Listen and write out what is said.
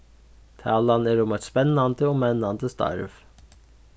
talan er um eitt spennandi og mennandi starv